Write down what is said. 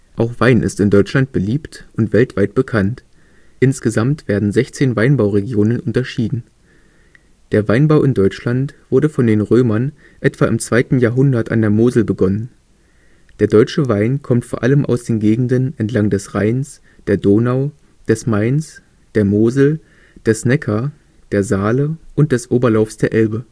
Auch Wein ist in Deutschland beliebt und weltweit bekannt, insgesamt werden 16 Weinbauregionen unterschieden. Der Weinbau in Deutschland wurde von den Römern etwa im 2. Jahrhundert an der Mosel begonnen. Der deutsche Wein kommt vor allem aus den Gegenden entlang des Rheins, der Donau, des Mains, der Mosel, des Neckar, der Saale und des Oberlaufs der Elbe